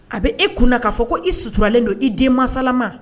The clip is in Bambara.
A bɛ e kun na k'a fɔ ko i suturalen don i den masalalama